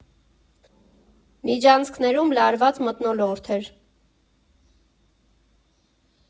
Միջանցքներում լարված մթնոլորտ էր։